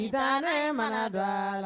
I mana don la